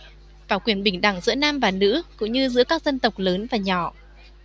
vào quyền bình đẳng giữa nam và nữ cũng như giữa các dân tộc lớn và nhỏ